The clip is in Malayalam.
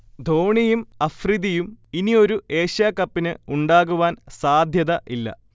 ധോണിയും അഫ്രിദിയും ഇനിയൊരു ഏഷ്യാ കപ്പിന് ഉണ്ടാകുവാൻ സാധ്യത ഇല്ല